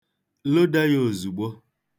Loda ya ozugbo